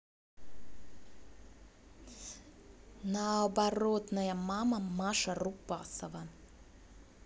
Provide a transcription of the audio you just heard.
наоборотная мама маша рупасова